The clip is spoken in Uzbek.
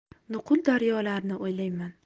nuqul daryolarni o'ylayman